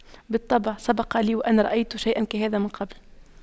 بالطبع سبق لي وأن رأيت شيئا كهذا من قبل